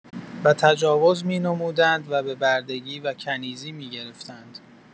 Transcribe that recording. و تجاوز می‌نمودند و به بردگی وکنیزی، می‌گرفتند.